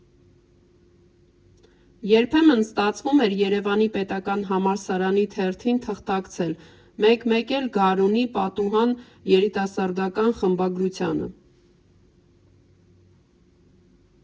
Երբեմն ստացվում էր Երևանի պետական համալսարանի թերթին թղթակցել, մեկ֊մեկ էլ «Գարունի» «Պատուհան» երիտասարդական խմբագրությանը։